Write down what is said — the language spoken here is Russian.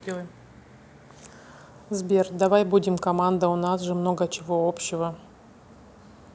сбер давай будем команда у нас же много чего общего